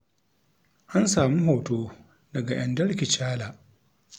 An samu hoto daga Endalk Chala.